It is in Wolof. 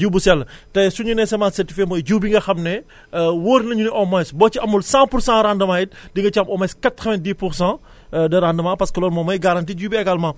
jiw bu sell tey su ñu nee semence certifiée mooy jiw bi nga xam ne wóor nañu ni au moins boo ci amul cent pour cent rendement it di nga ci am au moins quatre vingt dix pour cent de rendement parce que loolu moom mooy garantie jiw bi également